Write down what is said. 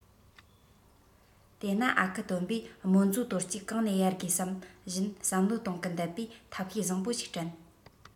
དེས ན ཨ ཁུ སྟོན པས རྨོན མཛོ དོར གཅིག གང ནས གཡར དགོས བསམ བཞིན བསམ བློ གཏོང གིན བསྟད པས ཐབས ཤེས བཟང པོ ཞིག དྲན